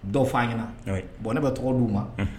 Dɔ fɔ an ɲɛna oui, bon ne bɛ tɔgɔ d'u ma